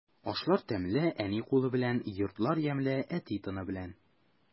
Ашлар тәмле әни кулы белән, йортлар ямьле әти тыны белән.